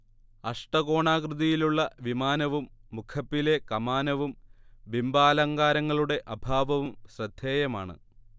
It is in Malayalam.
അഷ്ടകോണാകൃതിയിലുള്ള വിമാനവും മുഖപ്പിലെ കമാനവും ബിംബാലങ്കാരങ്ങളുടെ അഭാവവും ശ്രദ്ധേയമാണ്